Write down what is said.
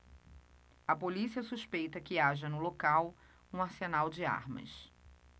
a polícia suspeita que haja no local um arsenal de armas